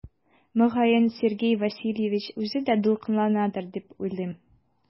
Мөгаен Сергей Васильевич үзе дә дулкынланадыр дип уйлыйм.